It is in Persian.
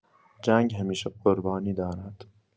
جنگ همیشه قربانی دارد.